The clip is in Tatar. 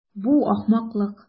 Бу ахмаклык.